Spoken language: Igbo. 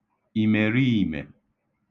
ìmèriìmè